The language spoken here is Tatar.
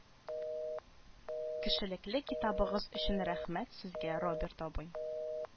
Кешелекле китабыгыз өчен рәхмәт сезгә, Роберт абый